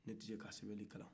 ne tese ka sɛbennin kalan